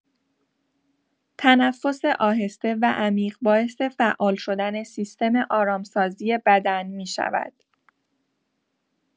تنفس آهسته و عمیق باعث فعال شدن سیستم آرام‌سازی بدن می‌شود.